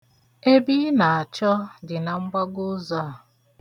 Ebe ị na-achọ dị na mgbago ụzọ a